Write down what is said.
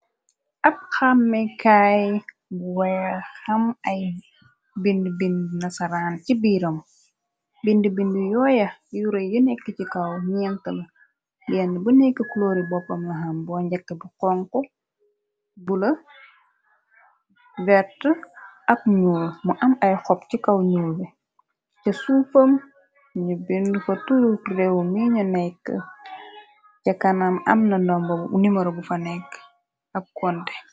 Ab xamekaay bu weex ham ay bind bind na saraan ci biiram bindi bindi yooya yure yi nekk ci kaw ñenkl lenn bu nekk cloori boppamnaham boo njekk bu konk bu la vert ak ñuul mu am ay xob ci kaw ñyuul wi ce suufam ñu bind fa turu réew minu nekk ca kanam amna domb nimero bu fa nekk ak konte.